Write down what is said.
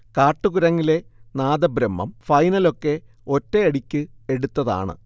'കാട്ടുകുരങ്ങിലെ നാദബ്രഹ്മം' ഫൈനലൊക്കെ ഒറ്റയടിക്ക് എടുത്തതാണ്